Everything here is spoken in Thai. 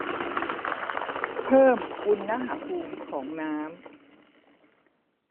เพิ่มอุณหภูมิของน้ำ